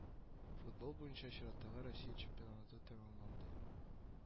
Футбол буенча чираттагы Россия чемпионаты тәмамланды